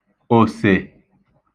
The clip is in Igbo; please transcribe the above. òsè